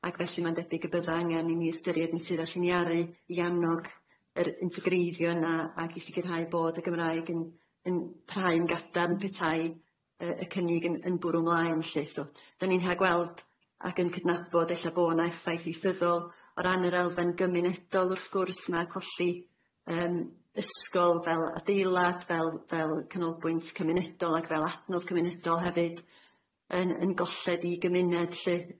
Ag felly ma'n debyg y bydda angen i ni ystyried mesuara lliniaru i annog yr integreiddio yna ag i sicirhau bod y Gymraeg yn, yn parhau'n gadarn petai yy y cynnig yn yn bwrw 'mlaen lly so 'dyn ni'n rhagweld ac yn cydnabod ella bo' 'na effaith ieithyddol o ran yr elfen gymunedol wrth gwrs, ma' colli yym ysgol fel adeilad fel fel canolbwynt cymunedol ag fel adnodd cymunedol hefyd yn yn golled i gymuned lly.